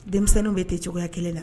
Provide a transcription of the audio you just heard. Denmisɛnninw bɛɛ tɛ cogoya kelen na